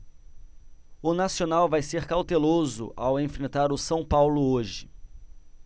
o nacional vai ser cauteloso ao enfrentar o são paulo hoje